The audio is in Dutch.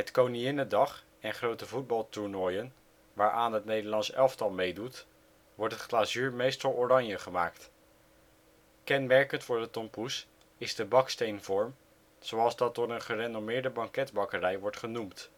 Koninginnedag en grote voetbaltoernooien waaraan het Nederlands elftal meedoet, wordt het glazuur meestal oranje gemaakt. Kenmerkend voor de tompoes is de " baksteenvorm ", zoals dat door een gerenommeerde banketbakkerij wordt genoemd